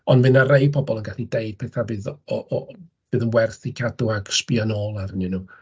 Ond mae 'na rai pobl yn gallu deud pethau bydd o... bydd yn werth 'u cadw ag sbio nôl arnyn nhw.